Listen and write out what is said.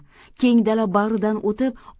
keng dala bag'ridan o'tib